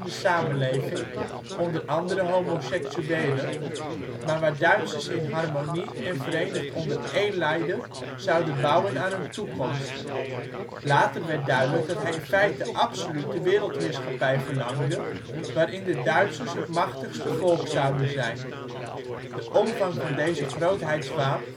samenleving (onder andere homoseksuelen), maar waar Duitsers in harmonie en verenigd onder één leider zouden bouwen aan hun toekomst. Later werd duidelijk dat hij in feite absolute wereldheerschappij verlangde, waarin de Duitsers het machtigste volk zouden zijn. De omvang van deze grootheidswaan